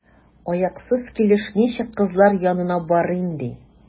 Аяксыз килеш ничек кызлар янына барыйм, ди?